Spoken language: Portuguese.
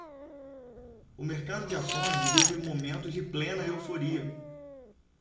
o mercado de ações vive momentos de plena euforia